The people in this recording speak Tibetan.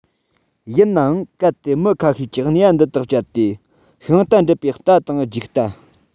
ཡིན ནའང གལ ཏེ མི ཁ ཤས ཀྱིས ནུས པ འདི དག སྤྱད དེ ཤིང རྟ འདྲུད པའི རྟ དང རྒྱུག རྟ